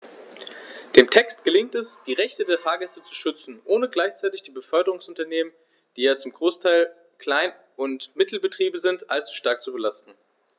Dem Text gelingt es, die Rechte der Fahrgäste zu schützen, ohne gleichzeitig die Beförderungsunternehmen - die ja zum Großteil Klein- und Mittelbetriebe sind - allzu stark zu belasten.